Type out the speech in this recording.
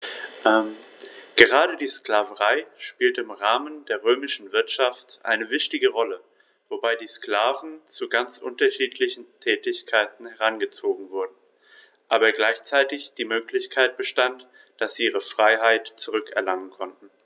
Gerade die Sklaverei spielte im Rahmen der römischen Wirtschaft eine wichtige Rolle, wobei die Sklaven zu ganz unterschiedlichen Tätigkeiten herangezogen wurden, aber gleichzeitig die Möglichkeit bestand, dass sie ihre Freiheit zurück erlangen konnten.